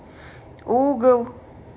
угол